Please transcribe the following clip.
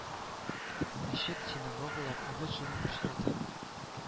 Мәчет, синагогалар урыс җирен пычрата